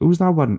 Who was that one?